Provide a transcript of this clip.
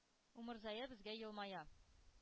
Умырзая безгә елмая;